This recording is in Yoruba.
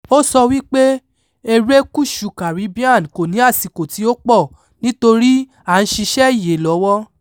Ó sọ wípé, erékùṣù Caribbean, "kò ní àsìkò tí ó pọ̀ nítorí [à] ń ṣiṣẹ́ ìyè lọ́wọ́ ".